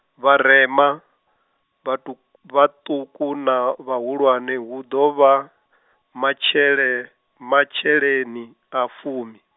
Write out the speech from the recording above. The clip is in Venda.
vharema, vhatu vhaṱuku na vhahulwane hu ḓo vha, matshele, masheleni a fumi.